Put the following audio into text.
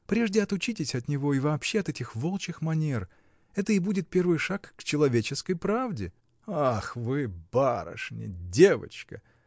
Прежде отучитесь от него и вообще от этих волчьих манер: это и будет первый шаг к человеческой правде! — Ах вы, барышня! девочка!